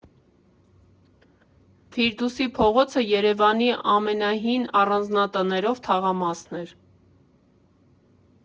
«Ֆիրդուսի փողոցը Երևանի ամենահին առանձնատներով թաղամասն էր։